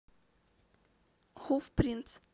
гуф принц